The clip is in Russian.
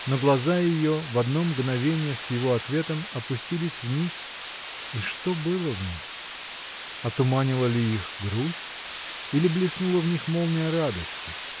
но глаза ее в одно мгновение с его ответом опустились вниз и что было в них? отуманила ли их грусть или блеснула в них молния радости